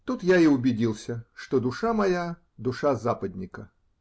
Тут я и убедился, что душа моя -- душа западника.